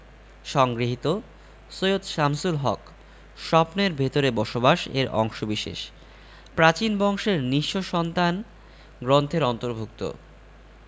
সংগৃহীত সৈয়দ শামসুল হক স্বপ্নের ভেতরে বসবাস এর অংশবিশেষ প্রাচীন বংশের নিঃস্ব সন্তান গ্রন্থের অন্তর্ভুক্ত